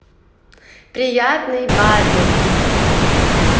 приятный батый